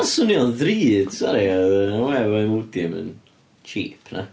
Swnio'n ddrud, sori. No way mae Immodium yn cheap, na?